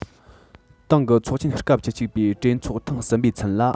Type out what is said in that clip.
ཏང གི ཚོགས ཆེན སྐབས བཅུ གཅིག པའི གྲོས ཚོགས ཐེངས གསུམ པའི ཚུན ལ